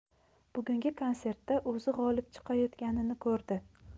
bugungi konsertda o'zi g'olib chiqayotganini ko'rdi